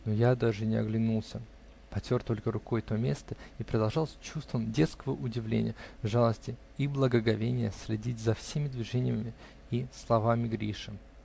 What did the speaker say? но я даже не оглянулся: потер только рукой то место и продолжал с чувством детского удивления, жалости и благоговения следить за всеми движениями и словами Гриши.